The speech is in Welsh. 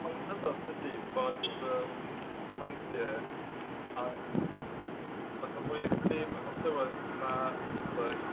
Mae'n rhyfedd yn dydy, bod yym cyfandir yn fatha mwy extreme efo'r tywydd na'r ynysoedd.